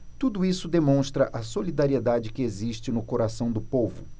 tudo isso demonstra a solidariedade que existe no coração do povo